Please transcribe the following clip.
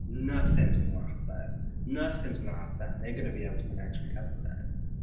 Nothing's going to happen... nothing's going to happen. They're going to be out in the next recoupling.